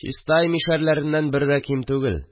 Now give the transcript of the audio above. Чистай мишәрләреннән бер дә ким түгел